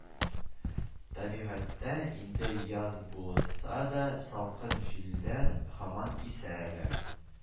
Табигатьтә инде яз булса да Салкын җилләр һаман исә әле